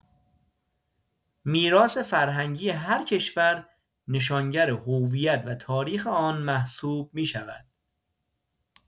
میراث‌فرهنگی هر کشور، نشانگر هویت و تاریخ آن محسوب می‌شود.